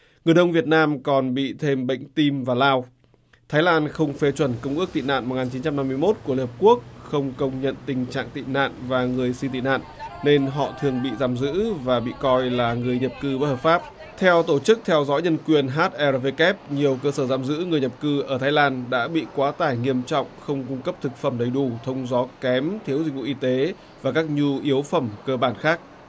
người đàn ông việt nam còn bị thêm bệnh tim và lao thái lan không phê chuẩn công ước tị nạn một ngàn chín trăm năm mươi mốt của hiệp quốc không công nhận tình trạng tị nạn và người xin tị nạn nên họ thường bị giam giữ và bị coi là người nhập cư bất hợp pháp theo tổ chức theo dõi nhân quyền hắt e rờ vê kép nhiều cơ sở giam giữ người nhập cư ở thái lan đã bị quá tải nghiêm trọng không cung cấp thực phẩm đầy đủ thông gió kém thiếu dịch vụ y tế và các nhu yếu phẩm cơ bản khác